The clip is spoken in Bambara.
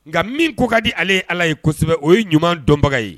Nka min ko ka di ale ye ala yesɛbɛ o ye ɲuman dɔnbagaw ye